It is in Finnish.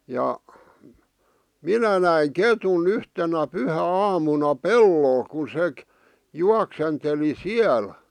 ja minä näin ketun yhtenä pyhäaamuna pellolla kun se juoksenteli siellä